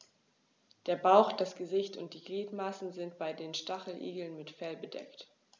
Der Bauch, das Gesicht und die Gliedmaßen sind bei den Stacheligeln mit Fell bedeckt.